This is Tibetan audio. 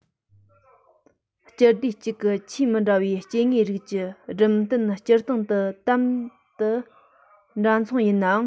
སྤྱི སྡེ གཅིག གི ཆེས མི འདྲ བའི སྐྱེ དངོས རིགས ཀྱི སྦྲུམ སྟེན སྤྱིར བཏང དུ དམ དུ འདྲ མཚུངས ཡིན ན ཡང